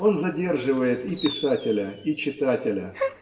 она задерживает и писателя, и читателя.